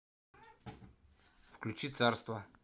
включи царство